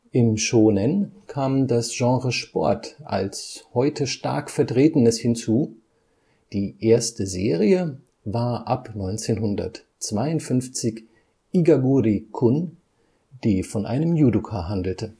Im Shōnen kam das Genre Sport als heute stark vertretenes hinzu, die erste Serie war ab 1952 Igaguri-kun, die von einem Judoka handelte